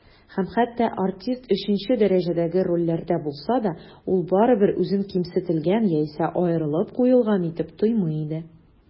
Һәм хәтта артист өченче дәрәҗәдәге рольләрдә булса да, ул барыбыр үзен кимсетелгән яисә аерылып куелган итеп тоймый иде.